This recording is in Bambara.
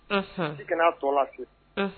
I kana'a tɔ la